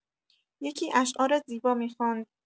یکی اشعار زیبا می‌خواند.